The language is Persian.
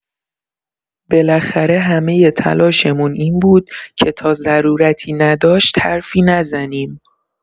بالاخره همۀ تلاشمون این بود که تا ضرورتی نداشت حرفی نزنیم.